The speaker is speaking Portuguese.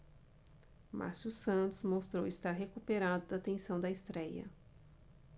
márcio santos mostrou estar recuperado da tensão da estréia